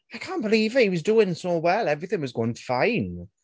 I can't believe it. He was doing so well. Everything was going fine.